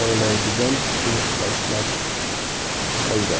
ovlaydigan to'r tashlab olgan